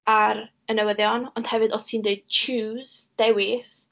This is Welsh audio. ar y newyddion, ond hefyd os ti'n deud, choose, dewis.